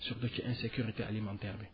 surtout ci insécurité alimentaire bi